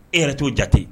E yɛrɛ t'o jatete